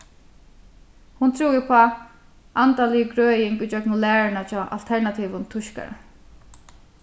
hon trúði upp á andaliga grøðing ígjøgnum læruna hjá alternativum týskara